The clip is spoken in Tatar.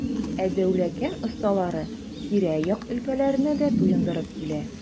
Ә Дәүләкән осталары тирә-як өлкәләрне дә туендырып килә.